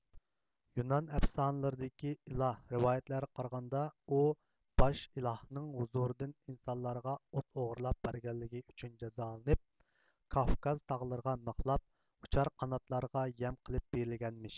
يۇنان ئەپسانىلىرىدىكى ئىلاھ رىۋايەتلەرگە قارىغاندا ئۇ باش ئىلاھىنىڭ ھۇزۇرىدىن ئىنسانلارغا ئوت ئوغىرلاپ بەرگەنلىكى ئۈچۈن جازالىنىپ كافكاز تاغلىرىغا مىخلاپ ئۇچار قاناتلارغا يەم قىلىپ بېرىلگەنمىش